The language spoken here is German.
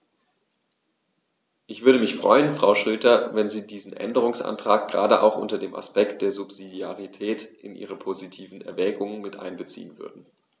Ich würde mich freuen, Frau Schroedter, wenn Sie diesen Änderungsantrag gerade auch unter dem Aspekt der Subsidiarität in Ihre positiven Erwägungen mit einbeziehen würden.